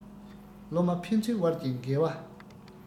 སློབ མ ཕན ཚུན དབར གྱི འགལ བ